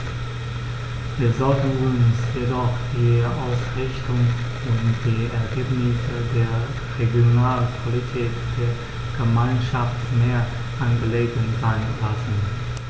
Wir sollten uns jedoch die Ausrichtung und die Ergebnisse der Regionalpolitik der Gemeinschaft mehr angelegen sein lassen.